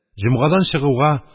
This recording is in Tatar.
Җомгадан чыгуга,